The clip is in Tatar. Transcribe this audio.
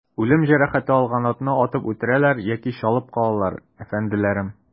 Үлем җәрәхәте алган атны атып үтерәләр яки чалып калалар, әфәнделәрем.